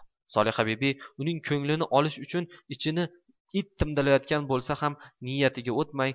solihabibi uning ko'nglini olish uchun ichini it timdalayotgan bo'lsa ham niyatiga o'tmay